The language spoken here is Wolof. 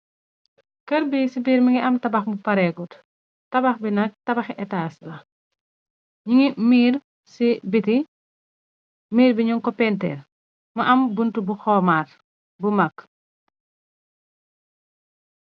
Kër bi ci biir mi ngi am tabax bu pareegut. Tabax bi nak tabaxe etaas la. Mi ngi miir ci biti miir bi ñu ko pénteer. Mu am bunt bu xoomaat bu mag.